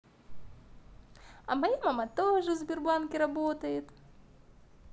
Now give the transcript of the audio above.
а моя мама тоже в сбербанке работает